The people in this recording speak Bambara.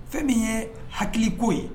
Fɛn min ye hakiliko ye